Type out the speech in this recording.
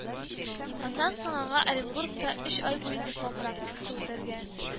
Аннан соң аңа Оренбургта өч ай буе диплом практикасы үтәргә